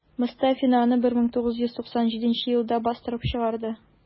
Мостафина аны 1997 елда бастырып чыгарды.